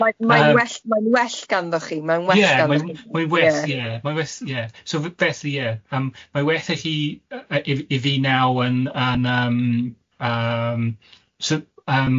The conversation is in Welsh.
Mae'n mae'n well mae'n well ganddoch chi, mae'n well ganddoch chi... Ie mae'n well ie mae'n well ie mae'n well ie so f- felly ie yym mae'n well i chi yy yy i i fi naw yn yn yym yym so yym.